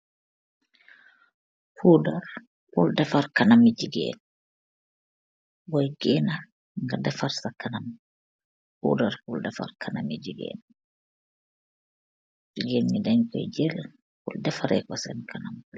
Puudar, puur dehfaar kanami jigeen, boiyi gehna nga dehfaar sa Kanam. Puudar puur dehfaar kanami jigeen, jigeeni denz koui jel purr defaro ko sen kanam.